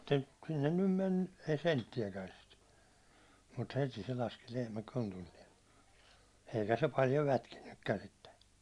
tai sinne nyt mennyt ei senttiäkään sitten mutta heti se laski lehmä kontilleen eikä se paljon lätkinytkään sitten